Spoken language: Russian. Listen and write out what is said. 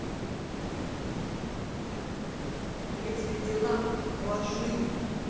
я тебя дела положи